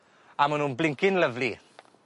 A ma' nw'n blincin lyfli.